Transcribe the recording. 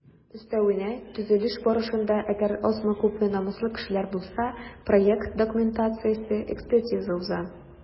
Өстәвенә, төзелеш барышында - әгәр азмы-күпме намуслы кешеләр булса - проект документациясе экспертиза уза.